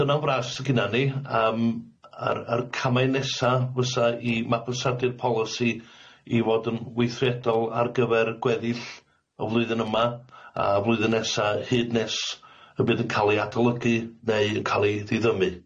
Dyna'n fras sy gynna ni yym a'r a'r camau nesa fysa i mabwysadu'r polisi i fod yn weithredol ar gyfer gweddill y flwyddyn yma a flwyddyn nesa hyd nes y bydd yn ca'l ei adolygu neu yn ca'l ei ddiddymu.